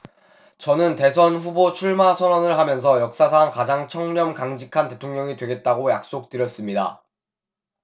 저는 대선 후보 출마 선언을 하면서 역사상 가장 청렴 강직한 대통령이 되겠다고 약속 드렸습니다